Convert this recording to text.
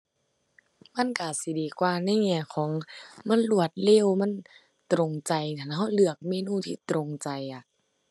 มันก็อาจสิดีกว่าในแง่ของมันรวดเร็ว มันตรงใจ ถ้าหั้นก็เลือกเมนูที่ตรงใจอะ